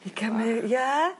I cymy- ie?